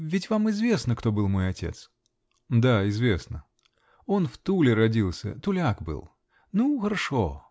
Ведь вам известно, кто был мой отец? -- Да, известно. -- Он в Туле родился. Гуляк был. Ну, хорошо.